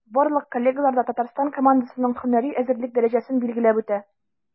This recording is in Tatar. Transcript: Барлык коллегалар да Татарстан командасының һөнәри әзерлек дәрәҗәсен билгеләп үтә.